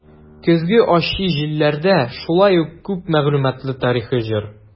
"көзге ачы җилләрдә" шулай ук күп мәгълүматлы тарихи җыр.